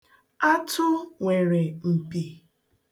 Atụ nwere mpi.